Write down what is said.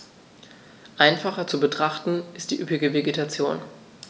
Einfacher zu betrachten ist die üppige Vegetation.